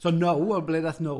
So Now, ond ble ddath Now?